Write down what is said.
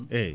eeyi